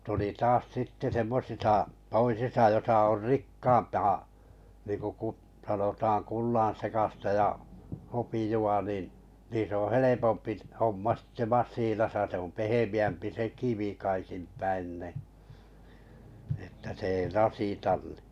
tuli taas sitten semmoisissa toisissa jossa on rikkaampaa niin kuin - sanotaan kullansekaista ja hopeaa niin niissä on helpompi homma sitten masiinassa se on pehmeämpi se kivi kaikin päin niin että se ei rasita niin